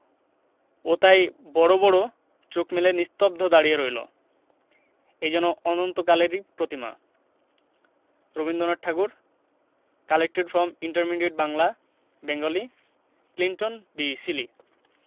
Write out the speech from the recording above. ও তাই বড় বড় চোখ মেলে নিস্তব্ধ দাঁড়িয়ে রইল যেন অনন্তকালেরই প্রতিমা Rabindranath Tagore collected from intermediate Bangla Bengali Clinton B Seely